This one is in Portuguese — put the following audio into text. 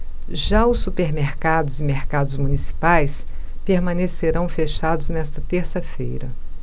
já os supermercados e mercados municipais permanecerão fechados nesta terça-feira